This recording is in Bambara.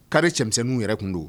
Carré cɛmisɛnniw yɛrɛ tun don.